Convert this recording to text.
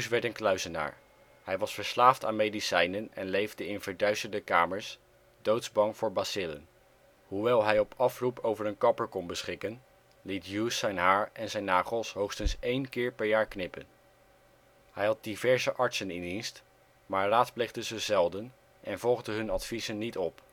werd een kluizenaar. Hij was verslaafd aan medicijnen en leefde in verduisterde kamers, doodsbang voor bacillen. Hoewel hij op afroep over een kapper kon beschikken liet Hughes zijn haar en zijn nagels hoogstens één keer per jaar knippen. Hij had diverse artsen in dienst, maar raadpleegde ze zelden en volgde hun adviezen niet op